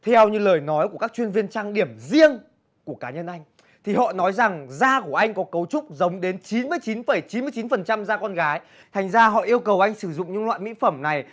theo như lời nói của các chuyên viên trang điểm riêng của cá nhân anh thì họ nói rằng da của anh có cấu trúc giống đến chín mươi chín phẩy chín mươi chín phần trăm da con gái thành ra họ yêu cầu anh sử dụng những loại mỹ phẩm này